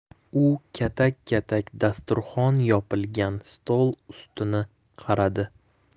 u katak katak dasturxon yopilgan stol ustini qaradi